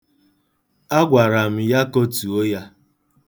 Agwara m ya kotuo ya.